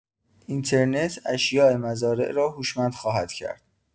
اینترنت اشیا مزارع را هوشمند خواهد کرد.